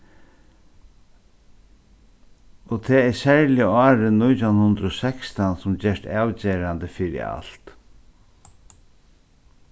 og tað er serliga árið nítjan hundrað og sekstan sum gerst avgerandi fyri alt